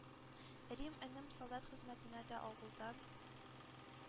Рим энем солдат хезмәтенә дә авылдан,